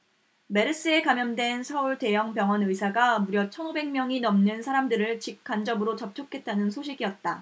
메르스에 감염된 서울 대형 병원 의사가 무려 천 오백 명이 넘는 사람들을 직 간접으로 접촉했다는 소식이었다